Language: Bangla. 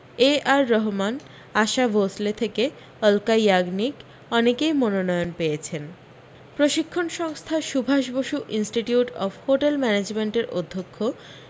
এ আর রহমান আশা ভোঁসলে থেকে অলকা ইয়াগনিক অনেকই মনন্নয় পেয়েছেন প্রশিক্ষণ সংস্থা Subhash Basu institute of hotel ম্যানেজমেন্টের অধ্যক্ষ